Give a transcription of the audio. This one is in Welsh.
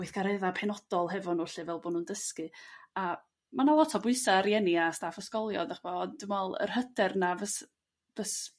gweithgaredda' penodol hefo nhw 'lly fel bo' nhw'n dysgu, a ma' 'na lot o bwysa' ar rieni a staff ysgolion dach ch'mod dwi me'wl yr hyder 'na fys- fys-